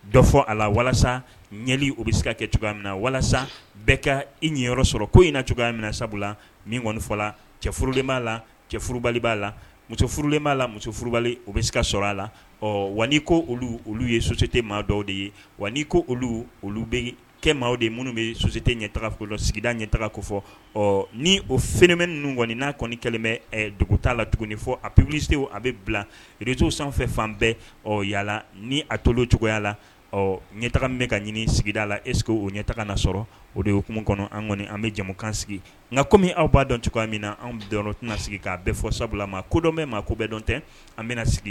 Dɔ fɔ a la walasa ɲɛli u bɛ se kɛ cogoya min na walasa bɛɛ ka i ɲɛyɔrɔ sɔrɔ ko inina cogoya min na sabula min kɔniɔnifɔ la cɛfaforolen b' a la cɛbali b'a la musof furulen b'a la musof o bɛ seka sɔrɔ a la ɔ w ko olu olu ye sosote maa dɔw de ye wa ko olu olu bɛ kɛ maaw de minnu bɛ sosote ɲɛtaafo sigida ɲɛ tagako fɔ ɔ ni o fmɛ kɔniɔni n'a kɔni kɛlen bɛ dugu t'a la tuguni fɔ api wulisew a bɛ bilaresow sanfɛ fan bɛɛ yalala ni a to cogoya la ɔ ɲɛtaa bɛ ka ɲini sigida la eske o ɲɛtaa nasɔrɔ o de ye oumu kɔnɔ an kɔni an bɛ jamukan sigi nka kɔmi aw b'a dɔn cogoya min na an dɔn tɛna sigi k'a fɔ sabula ma kodɔn bɛ maa ko bɛɛ dɔn tɛ an bɛna sigi